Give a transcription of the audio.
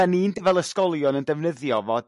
Dan ni'n d- fel ysgolion yn defnyddio fo